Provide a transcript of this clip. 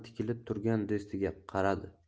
tikilib turgan do'stiga qaradi